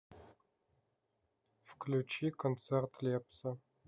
включи концерт лепса